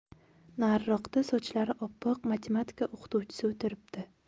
nariroqda sochlari oppoq matematika o'qituvchisi o'tiribdi